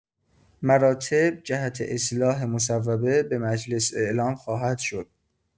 مراتب جهت اصلاح مصوبه‌، به مجلس اعلام خواهد شد.